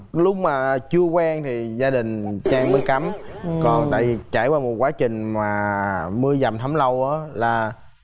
lúc mà chưa quen thì gia đình trang cấm còn tại vì trải qua một quá trình mà mưa dầm thấm lâu á là